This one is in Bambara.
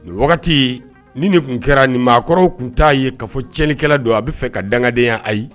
Wagati nin de tun kɛra nin maakɔrɔw tun t'a ye ka fɔ tiɲɛnlikɛla don a bɛ fɛ ka dangadenya a ye